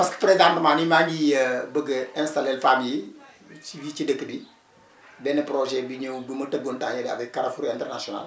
parce que présentement mii maa ngi bëgg a intallé femme yi yi ci yi ci dëkk bi benn projet bi ñëw bu ma tëggoon temps yee avec Carrefour International